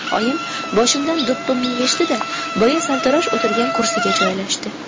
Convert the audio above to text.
oyim boshimdan do'ppimni yechdi da boya sartarosh o'tirgan kursiga joylashdi